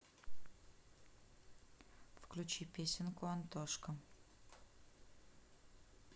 включи песенку антошка